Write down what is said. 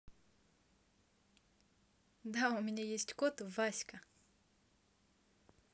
да у меня есть кот васька